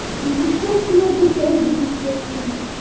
Нишләп кенә бетәрбез икән?